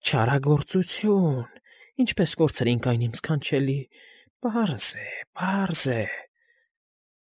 Չ֊չ֊չարագործություն… Ինչպես կորցրինք այն, իմ ս֊ս֊սքանչելի, պարս֊սս է, պարս֊ս֊ս է։